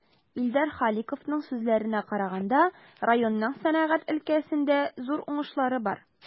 Илдар Халиковның сүзләренә караганда, районның сәнәгать өлкәсендә зур уңышлары бар.